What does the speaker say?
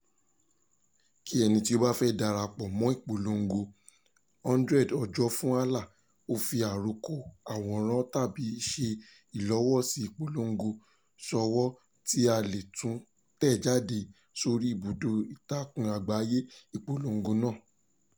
Kí ẹni tí ó bá fẹ́ darapọ̀ mọ́ ìpolongo "100 ọjọ́ fún Alaa" ó fi "àròkọ, àwòrán tàbí ìṣe ìlọ́wọ́sí ìpolongo" ṣọwọ́ tí a lè tún tẹ̀ jáde sórí ibùdó-ìtàkùn-àgbáyé ìpolongo náà: